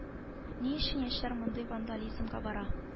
Ни өчен яшьләр мондый вандализмга бара